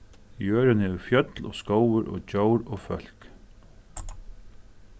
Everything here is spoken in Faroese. jørðin hevur fjøll og skógir og djór og fólk